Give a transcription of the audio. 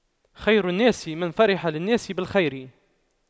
خير الناس من فرح للناس بالخير